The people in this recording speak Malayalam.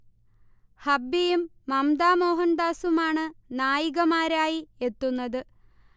ഹബ്ബിയും മമ്ത മോഹൻദാസുമാണ് നായികമാരായി എത്തുന്നത്